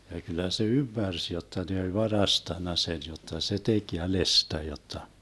ja kyllä se ymmärsi jotta ne oli varastanut sen jotta se teki jäljestä jotta